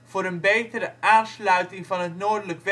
voor een betere aansluiting van het Noordelijk